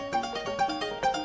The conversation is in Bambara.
San